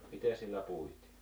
miten sillä puitiin